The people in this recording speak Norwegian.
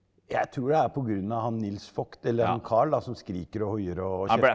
jeg tror det er pga. han Nils Vogt eller han Karl da som skriker og hoier og .